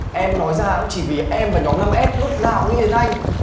em nói ra cũng chỉ vì em và nhóm năm ét lúc nào cũng nghĩ đến anh